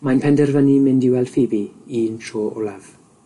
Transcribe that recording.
Mae'n penderfynu mynd i weld Pheobe un tro olaf.